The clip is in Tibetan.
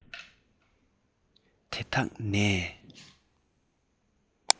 དེ དག ནས